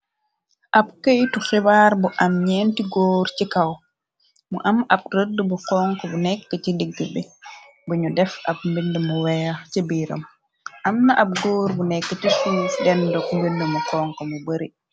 ab këytu xibaar bu am ñeenti góor ci kaw mu am ab rëdd bu xonk bu nekk ci digg bi buñu def ab mbind mu weex ci biiram amna ab góor bu nekk ti siif denduk mbind mu konk bu bari